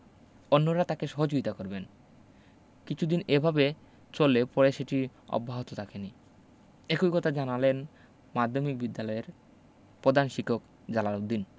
অন্যরা তাঁকে সহযোগিতা করবেন কিছুদিন এভাবে চললে পরে সেটি অব্যাহত থাকেনি একই কতা জানালেন মাধ্যমিক বিদ্যালয়ের পদান শিক্ষক জালাল উদ্দিন